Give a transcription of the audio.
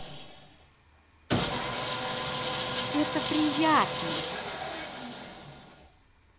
это приятно